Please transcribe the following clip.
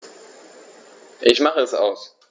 Ich mache es aus.